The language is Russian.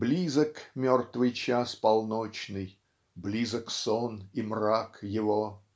Близок мертвый час полночный, Близок сон и мрак его.